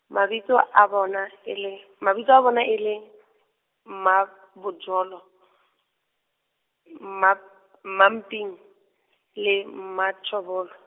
mabitso a bona e le, mabitso a bona ele , Mmabojolo, Mma- Mmaping le Mmatjhobolo.